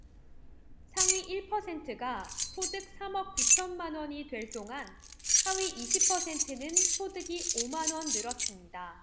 상위 일 퍼센트가 소득 삼 억 구천 만원이 될 동안 하위 이십 퍼센트는 소득이 오 만원 늘었습니다